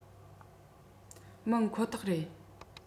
མིན ཁོ ཐག རེད